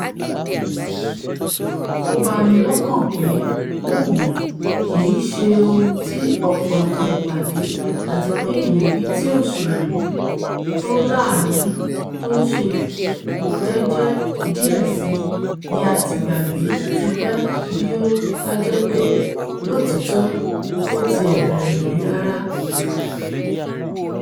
Ó banilọ́kàn pé lóòní, kìí ṣe ohùn ti ọ̀pọ̀ àwọn ìpàdé àtipe ìlérí ti òṣèlú ''tó láàánú, tó ńṣe jẹ́jẹ́ díẹ̀ síi'' ni a ti gbàgbé tipẹ́ bí ó bájẹ̀pé, lóòtítọ́, ó tiẹ̀ bẹ̀rẹ̀ rí rárá.